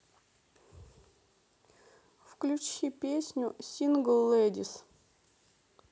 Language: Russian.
включи песню сингл ледис